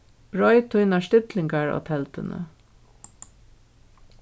broyt tínar stillingar á telduni